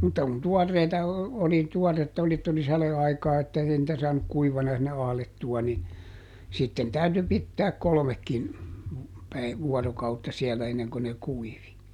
mutta kun tuoreita oli tuoretta oli että oli sadeaikaa että ei niitä saanut kuivana sinne ahdettua niin sitten täytyi pitää kolmekin - vuorokautta siellä ennen kuin ne kuivi